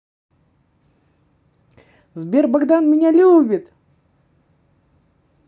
сбер богдан меня любит